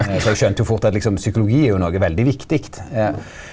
for eg skjønte jo fort at liksom psykologi er jo noko veldig viktig .